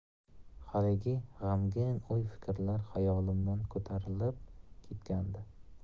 haligi g'amgin o'y fikrlar xayolimdan ko'tarilib ketgandi